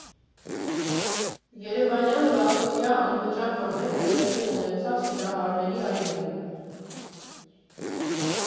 Երևանյան բացօթյա անվճար համերգը տեղի ունեցավ Սիրահարների այգում։